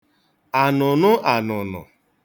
ànụ̀nụànụ̀nụ̀